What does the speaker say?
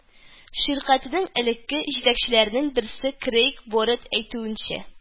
Ширкәтенең элекке җитәкчеләреннән берсе крейг барретт әйтүенчә